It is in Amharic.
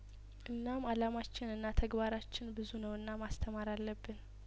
እናም አላማችንና ተግባራችን ብዙ ነውና ማስተማር አለብን